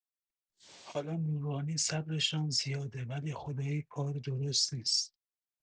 حالا نورانی صبرشان زیاده ولی خدایی کار درست نیست